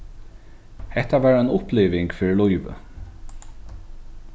hetta var ein uppliving fyri lívið